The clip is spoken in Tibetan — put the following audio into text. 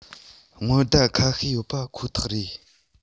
སྔོན བརྡ ཁ ཤས ཡོད པ ཁོ ཐག རེད